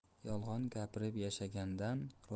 yolg'on gapirib yashagandan